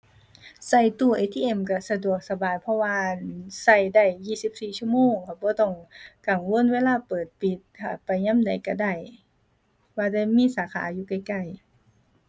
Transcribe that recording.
ใช้ตู้ ATM ใช้สะดวกสบายเพราะว่า อั่น ใช้ได้ยี่สิบสี่ชั่วโมงค่ะ บ่ต้องกังวลเวลาเปิดปิดค่ะ ไปยามใดใช้ได้ ว่าแต่มีสาขาอยู่ใกล้ใกล้